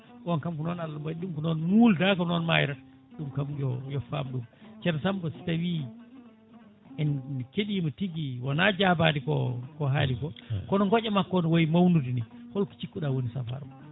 on kam ko noon Allah waɗi ɗum ko noon mulda ko noon mayrata ɗum kam yo yo famɗum ceerno Samba tawi en kettima tigui wona jabade ko haaliko kono gooƴa makko o no waayi mawnude ni holko cikkuɗa woni safaro o